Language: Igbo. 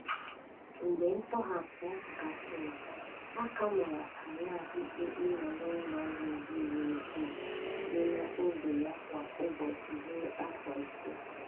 Mgbe ntọhapụ gasịrị, a ka mara Alaa ikpe ịnọ n'ụlọ ọrụ ndị uwe ojii dị n'ogbe ya kwa abalị ruo "afọ ise".